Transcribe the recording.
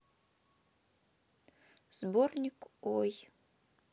сборник ой